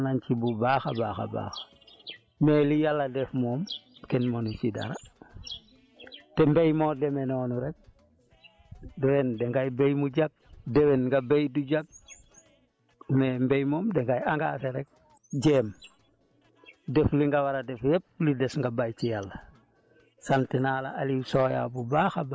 tool yi moom gaa yi góorgóorlu nañ ci bu baax a baax a baax mais li yàlla di def moom kenn mënu ci dara te mbéy moo demee noonu rek déwén dangay béy mu jàpp déwén nga béy du jàpp mais mbéy moom dangay engagé rek jéem def li nga war a def yëpp li des nga bàyyi ci yàlla